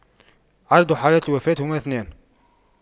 عدد حالات الوفاة هما اثنان